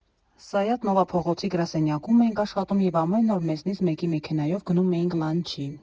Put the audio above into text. Սայաթ֊Նովա փողոցի գրասենյակում էինք աշխատում և ամեն օր մեզնից մեկի մեքենայով գնում էինք լանչի։